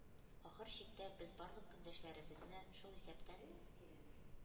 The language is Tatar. Ахыр чиктә, без барлык көндәшләребезне, шул, исәптән,